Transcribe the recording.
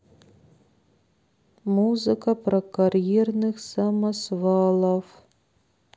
музыка про карьерных самосвалов